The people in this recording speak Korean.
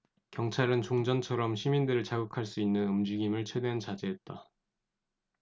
경찰은 종전처럼 시민들을 자극할 수 있는 움직임을 최대한 자제했다